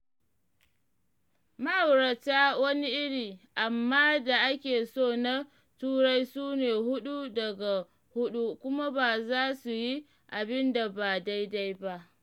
Ma’aurata wani iri amma da ake so na Turai su ne huɗu daga huɗu kuma ba za su yi abin da ba daidai ba.